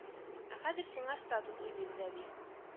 Ә хәзер сиңа статус уйлыйбыз, әби